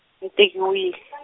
ni tekiwile .